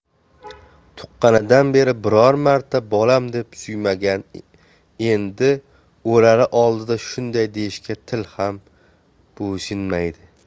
tuqqanidan beri biror marta bolam deb suymagan endi o'lari oldida shunday deyishga til ham bo'ysunmaydi